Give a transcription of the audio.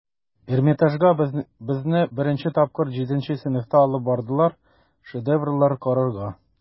Эрмитажга безне беренче тапкыр җиденче сыйныфта алып бардылар, шедеврлар карарга.